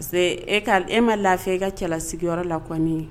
Parce que e' e ma lafi e ka cɛla sigiyɔrɔ lak ye